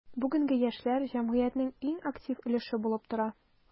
Бүгенге яшьләр – җәмгыятьнең иң актив өлеше булып тора.